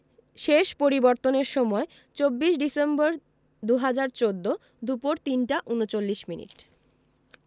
শেষ পরিবর্তনের সময় ২৪ ডিসেম্বর ২০১৪ দুপুর ৩টা ৩৯মিনিট